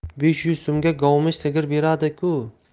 besh yuz so'mga govmish sigir beradi ku